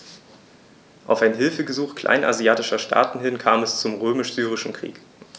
Auf ein Hilfegesuch kleinasiatischer Staaten hin kam es zum Römisch-Syrischen Krieg.